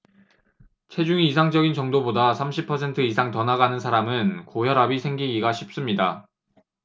체중이 이상적인 정도보다 삼십 퍼센트 이상 더 나가는 사람은 고혈압이 생기기가 쉽습니다